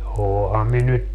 no olenhan minä nyt